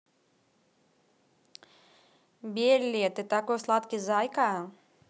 belle ты такой сладкий зайка